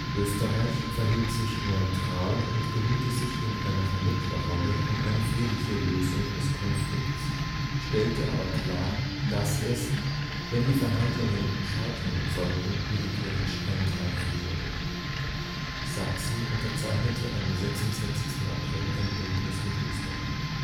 immer. Österreich verhielt sich neutral und bemühte sich in einer Vermittlerrolle um eine friedliche Lösung des Konflikts, stellte aber klar, dass es, wenn die Verhandlungen scheitern sollten, militärisch eingreifen würde. Sachsen unterzeichnete am 26. April ein Bündnis mit Österreich